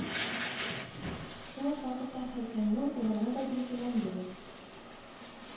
Шул ук вакытта һәйкәлнең урыны да билгеләнде